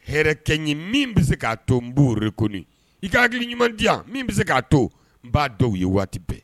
Hɛrɛkɛ ɲi min bɛ se k'a to n b'k i k'a hakili ɲuman di min bɛ se k'a to n b'a dɔw ye waati bɛɛ